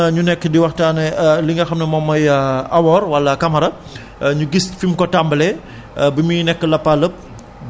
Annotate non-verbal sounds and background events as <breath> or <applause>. <breath> <hesitation> toujours lu am njariñ la <breath> kon <hesitation> ñu nekk di waxtaanee <hesitation> li nga xam ne moom mooy <hesitation> awoor wala kamara <breath> ñu gis fi mu ko tàmbalee